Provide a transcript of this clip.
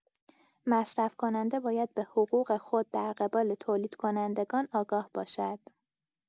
مصرف‌کننده باید به حقوق خود در قبال تولیدکنندگان آگاه باشد.